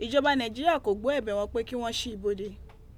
Ìjọba Naijiria ko gbọ́ ẹbẹ wọn pe ki wọn ṣi ibode.